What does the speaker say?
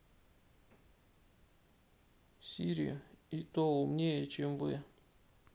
сири и то умнее чем вы